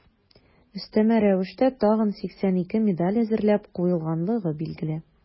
Өстәмә рәвештә тагын 82 медаль әзерләп куелганлыгы билгеле.